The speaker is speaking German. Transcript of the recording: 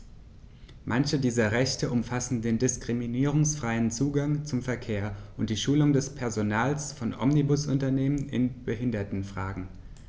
Manche dieser Rechte umfassen den diskriminierungsfreien Zugang zum Verkehr und die Schulung des Personals von Omnibusunternehmen in Behindertenfragen.